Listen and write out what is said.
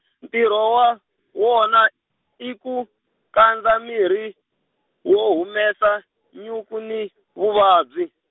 ntirho wa, wona, i ku, kandza miri, wu humesa, nyuku ni, vuvabyi.